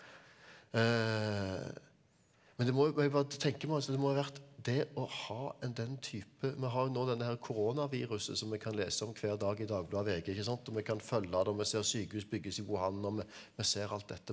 men det må tenker altså det må jo ha vært det å ha en den type vi har jo nå denne her koronaviruset som vi kan lese om hver dag i Dagbladet VG ikke sant og vi kan følge det og vi ser sykehus bygges i Wuhan og vi vi ser alt dette.